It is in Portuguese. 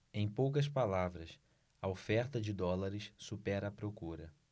em poucas palavras a oferta de dólares supera a procura